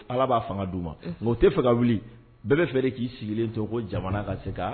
Ala b'a fanga d' ma mɛ tɛ faga wuli bɛɛ' fɛ de k'i sigilen to ko jamana ka se